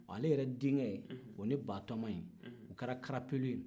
a le yɛrɛ denkɛ o ni batoma in u kɛra karapelu ye